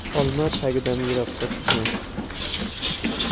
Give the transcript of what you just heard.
olma tagidan yiroqqa tushmas